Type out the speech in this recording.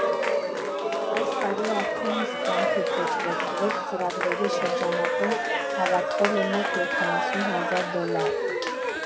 Այս տարի արդեն իսկ կյանքի կոչված վեց ծրագրերի շրջանակում հավաքվել է մոտ յոթանասուն հազար դոլար։